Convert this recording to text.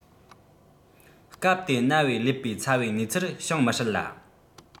སྐབས དེའི ན བའི ཀླད པའི ཚ བའི གནས ཚུལ བྱུང མི སྲིད ལ